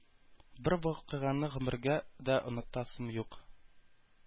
Бер вакыйганы гомергә дә онытасым юк.